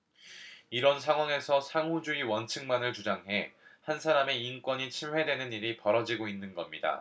이런 상황에서 상호주의 원칙만을 주장해 한 사람의 인권이 침해되는 일이 벌어지고 있는 겁니다